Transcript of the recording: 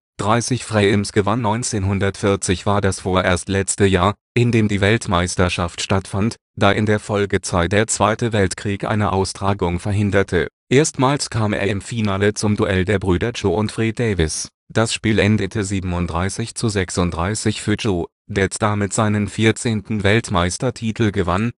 43:30 Frames gewann. 1940 war das vorerst letzte Jahr, in dem die Weltmeisterschaft stattfand, da in der Folgezeit der Zweite Weltkrieg eine Austragung verhinderte. Erstmals kam es im Finale zum Duell der Brüder Joe und Fred Davis. Das Spiel endete 37:36 für Joe, der damit seinen vierzehnten Weltmeistertitel gewann